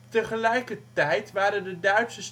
Tegelijkertijd waren de Duitse strijdkrachten